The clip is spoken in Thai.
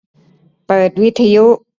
เปิดวิทยุ